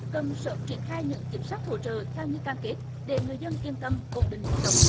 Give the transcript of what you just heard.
cần sớm triển khai những chính sách hỗ trợ theo như cam kết để người dân yên tâm ổn định cuộc sống